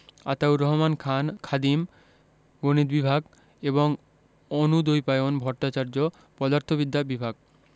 আতাউর রহমান খান খাদিম গণিত বিভাগ এবং অনুদ্বৈপায়ন ভট্টাচার্য পদার্থবিদ্যা বিভাগ